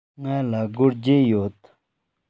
ང ལ སྒོར བརྒྱད ཡོད